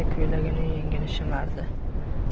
ko'ylagining yengini shimardi